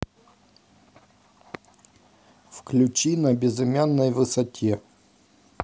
включи на безымянной высоте